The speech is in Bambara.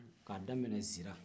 ka daminɛ nsira